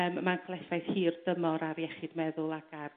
yrm ma'n ca'l effaith hir dymor ar iechyd meddwl ag ar